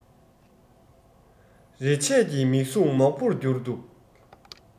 རེ ཆད ཀྱི མིག ཟུང མོག པོར གྱུར འདུག